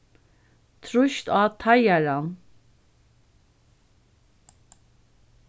trýst á teigaran